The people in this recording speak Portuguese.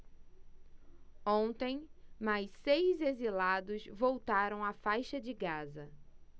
ontem mais seis exilados voltaram à faixa de gaza